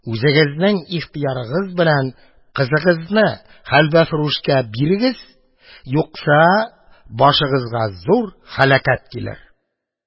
Үзегезнең ихтыярыгыз белән кызыгызны хәлвәфрүшкә бирегез, юкса башыгызга зур һәлакәт килер!